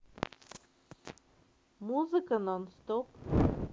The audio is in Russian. музыка нон стоп